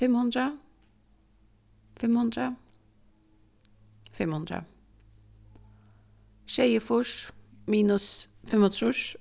fimm hundrað fimm hundrað fimm hundrað sjeyogfýrs minus fimmogtrýss